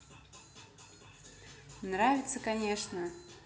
нравится конечно